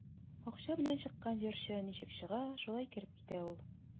Акча белән чыккан җырчы ничек чыга, шулай кереп китә ул.